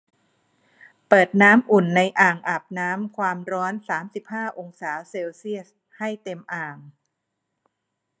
เปิดน้ำอุ่นในอ่างอาบน้ำความร้อนสามสิบห้าองศาเซลเซียสให้เต็มอ่าง